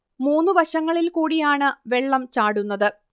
മൂന്നു വശങ്ങളിൽ കൂടിയാണ് വെള്ളം ചാടുന്നത്